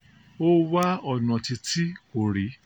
Ó wá ọ̀nà títí kò rí.